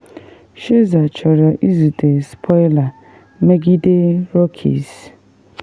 Scherzer chọrọ izute spoiler vs. Rockies